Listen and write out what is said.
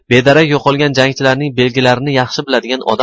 bedarak yo'qolgan jangchilarning belgilarini yaxshi biladigan odam